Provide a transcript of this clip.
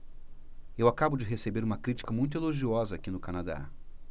eu acabo de receber uma crítica muito elogiosa aqui no canadá